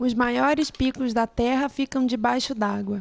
os maiores picos da terra ficam debaixo dágua